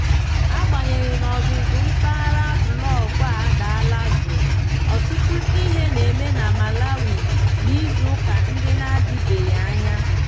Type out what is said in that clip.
Agbanyeghị n'ozuzu mpaghara blọọgụ a daala jụụ, ọtụtụ ihe na-eme na Malawi n'izu ụka ndị na-adịbeghị anya.